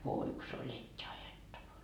voi kun se oli etti ajettava